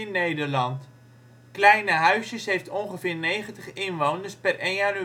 Nederland. Kleine Huisjes heeft ongeveer 90 inwoners (1-1-2008